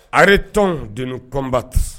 Are ye tɔn dunun kɔnbatu